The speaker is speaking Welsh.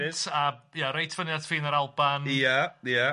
Lent a ia reit fyny at ffin yr Alban... Ia ia.